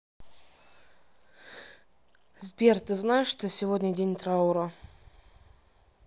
сбер ты знаешь что сегодня день траура